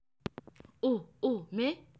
Uh, uh, me.